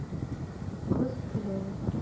Кыз көлә.